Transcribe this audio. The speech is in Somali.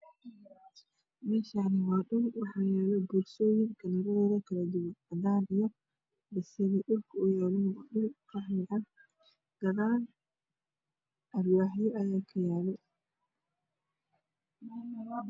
Me Shani wa dhul waxayalo bor soyin kalar ya dudu kaladuwan cagaar iyo casali dhul ku uyalana waa dhul qaxwi ah gadal al waaxyo ayaakayalo